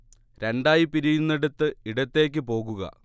രണ്ടായി പിരിയുന്നയിടത്ത് ഇടത്തേക്ക് പോകുക